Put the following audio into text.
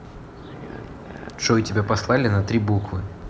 джой тебя послали на три буквы